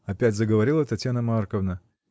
— опять заговорила Татьяна Марковна.